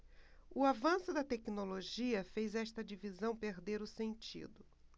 o avanço da tecnologia fez esta divisão perder o sentido